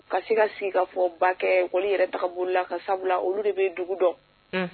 Ka se ka sigi ka fɔ ba kɛ école yɛrɛ taga bolo la . Bari sabula olu de bi dugu dɔn.